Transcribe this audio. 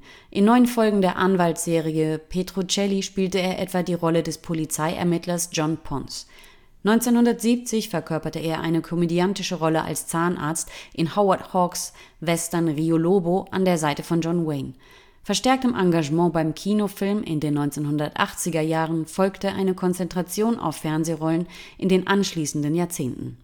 In neun Folgen der Anwaltsserie Petrocelli spielte er etwa die Rolle des Polizeiermittlers John Ponce. 1970 verkörperte er eine komödiantische Rolle als Zahnarzt in Howard Hawks ' Western Rio Lobo an der Seite von John Wayne. Verstärktem Engagement beim Kinofilm in den 1980er-Jahren folgte eine Konzentration auf Fernsehrollen in den anschließenden Jahrzehnten